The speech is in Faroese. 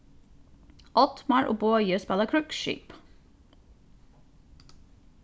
oddmar og bogi spæla krígsskip